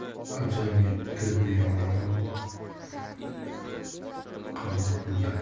ajal yetdi devona qabul qildi